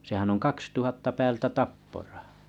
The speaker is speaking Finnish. sehän on kaksi tuhatta päältä tapporaha